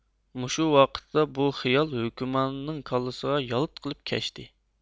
مۇشۇ ۋاقىتتا بۇ خىيال ھوكماننىڭ كاللىسىغا يالت قىلىپ كەچتى